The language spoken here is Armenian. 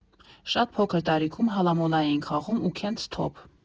Շատ փոքր տարիքում հալամոլա էինք խաղում ու քենթ֊սթոփ։